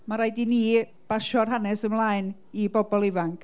Ma' raid i ni basio'r hanes ymlaen i bobl ifanc.